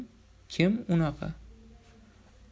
kim unaqa